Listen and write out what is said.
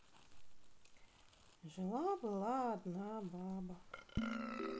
жила была одна баба